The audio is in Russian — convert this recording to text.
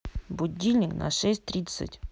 будильник на шесть тридцать